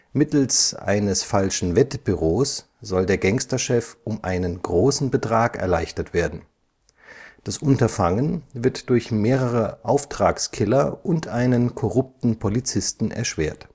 Mittels eines falschen Wettbüros soll der Gangsterchef um einen großen Betrag erleichtert werden. Das Unterfangen wird durch mehrere Auftragskiller und einen korrupten Polizisten erschwert